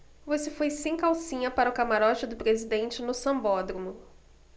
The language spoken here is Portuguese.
você foi sem calcinha para o camarote do presidente no sambódromo